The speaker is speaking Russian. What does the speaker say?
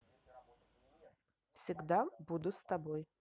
всегда буду с тобой